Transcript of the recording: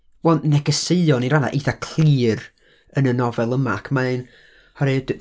wel, negeseuon, i raddau, eitha clir yn y nofel yma, ac mae'n... oherwydd